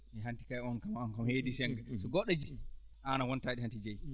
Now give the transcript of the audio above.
hanti on kam heedi senngo so goɗɗo jeyii aan a wontaa ɗi hanti jeyi